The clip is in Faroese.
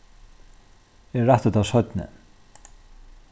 eg rætti tað seinni